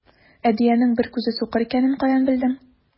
Ә дөянең бер күзе сукыр икәнен каян белдең?